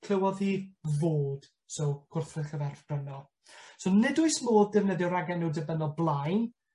Clywodd hi fod. So wrthrych y ferf gryno. So nid oes modd defnyddio ragenw dibynnol blaen.